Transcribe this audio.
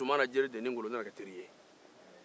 zumana jire ni ŋolo nana kɛ teri ye